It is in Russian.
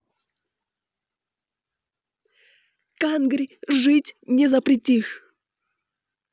канги жить не запретишь